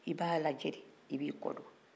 i b'a lajɛ de i b'i kɔdon